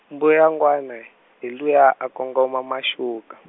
mbuyangwana, hi luyaa a kongoma maxuka.